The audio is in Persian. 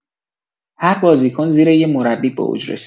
هر بازیکن زیر یه مربی به اوج رسید